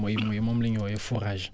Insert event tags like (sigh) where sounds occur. mooy (noise) mooy moom la ñu wooyee fourage